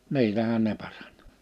niillähän ne parani